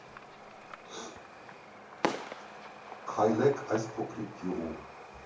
Քայլեք այս փոքրիկ գյուղում.